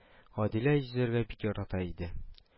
Гадилә йөзәргә бик ярата иде